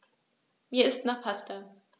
Mir ist nach Pasta.